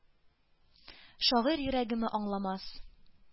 Шагыйрь йөрәгеме аңламас?